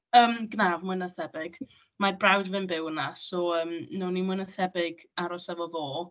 Yym gwnaf mwy na thebyg. Mae brawd fi'n byw yna, so yym wnawn ni i'n mwy na thebyg aros efo fo.